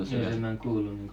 joo minä olen kuullut